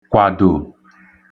kwàdò